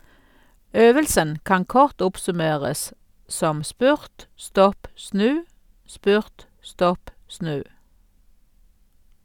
Øvelsen kan kort oppsummeres som "spurt, stopp, snu; spurt, stopp, snu".